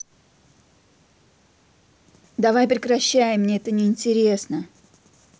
давай прекращай мне это неинтересно